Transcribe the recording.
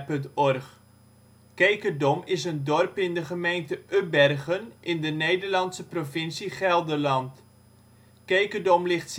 OL Kekerdom is een dorp in de gemeente Ubbergen in de Nederlandse provincie Gelderland. Kekerdom ligt